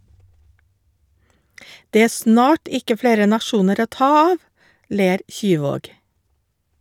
- Det er snart ikke flere nasjoner å ta av, ler Kyvåg.